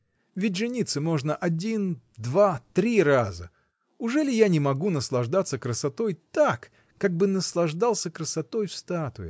— Ведь жениться можно один, два, три раза: ужели я не могу наслаждаться красотой так, как бы наслаждался красотой в статуе?